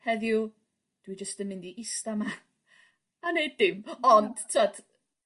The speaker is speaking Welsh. heddiw dwi jyst yn mynd i ista 'ma a neud dim. Ond t'od